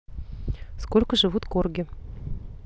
сколько живут корги